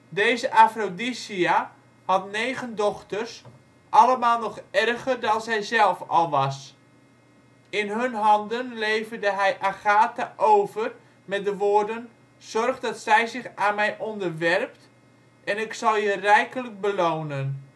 Deze Aphrodisia had negen dochters, allemaal nog erger dan zijzelf al was. In hun handen leverde hij Agatha over met de woorden: " Zorg dat zij zich aan mij onderwerpt, en ik zal je rijkelijk belonen